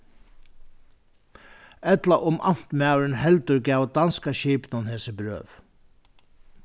ella um amtmaðurin heldur gav danska skipinum hesi brøv